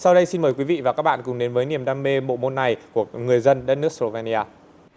sau đây xin mời quý vị và các bạn cùng đến với niềm đam mê bộ môn này của người dân đất nước sờ lô ven ni a